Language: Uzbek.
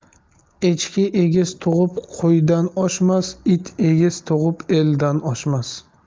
echki egiz tug'ib qo'ydan oshmas it egiz tug'ib eldan oshmas